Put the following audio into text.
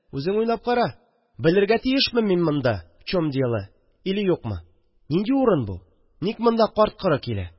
Үзең уйлап кара: белергә тиешме мин монда в чем дело, или юкмы? Нинди урын бу? Ник монда карт-коры килә?